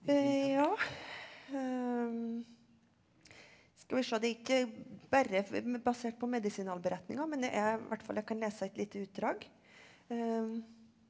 ja skal vi se det er ikke bare basert på medisinalberetningene men det er hvert fall jeg kan lese et lite utdrag .